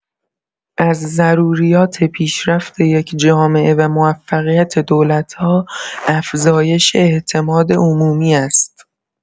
از ضروریات پیشرفت یک جامعه و موفقیت دولت‌ها افزایش اعتماد عمومی است.